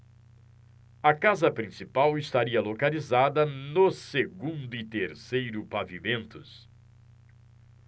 a casa principal estaria localizada no segundo e terceiro pavimentos